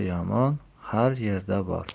yomon har yerda bor